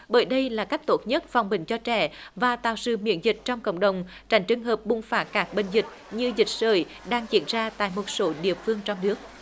bởi đây là cách tốt nhất phòng bệnh cho trẻ và tạo sự miễn dịch trong cộng đồng tránh trường hợp bùng phát các bệnh dịch như dịch sởi đang diễn ra tại một số địa phương trong nước